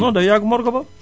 non day yàgg morgue ba